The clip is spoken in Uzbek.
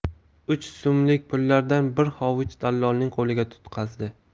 uch so'mlik pullardan bir hovuchini dallolning qo'liga tutqazdi